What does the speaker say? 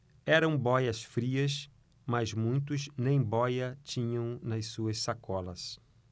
eram bóias-frias mas muitos nem bóia tinham nas suas sacolas